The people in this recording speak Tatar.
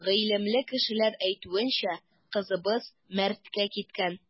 Гыйлемле кешеләр әйтүенчә, кызыбыз мәрткә киткән.